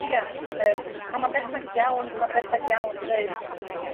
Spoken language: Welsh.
ia ma' yym... A ma'n berffaith iawn mae'n berffaith iawn i ddeud